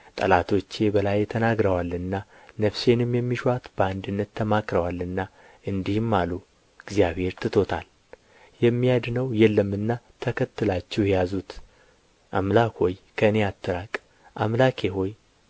ጠላቶቹ በላዬ ተናግረዋልና ነፍሴንም የሚሹአት በአንድነት ተማክረዋልና እንዲህም አሉ እግዚአብሔር ትቶታል የሚያድነው የለምና ተከትላችሁ ያዙት አምላክ ሆይ ከእኔ አትራቅ አምላኬ ሆይ